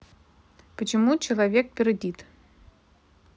почему человек пердит